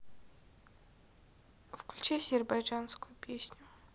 включи азербайджанскую песню